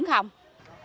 không